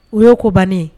O y yeo ko bannen